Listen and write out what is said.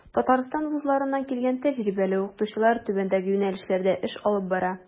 Татарстан вузларыннан килгән тәҗрибәле укытучылар түбәндәге юнәлешләрдә эш алып бара.